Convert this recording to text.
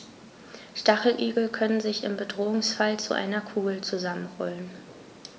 Stacheligel können sich im Bedrohungsfall zu einer Kugel zusammenrollen.